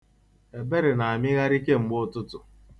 Ebere na-amịgharị kemgbe ụtụtụ.